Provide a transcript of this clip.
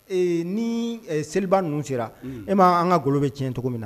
Ee ni ɛ seliba ninnu sera; Unhun;e m'a ye, an ka wolo bɛ cɛn cogo min na.